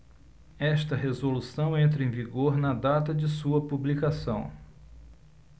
esta resolução entra em vigor na data de sua publicação